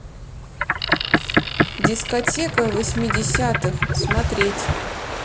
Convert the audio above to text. дискотека восьмидесятых смотреть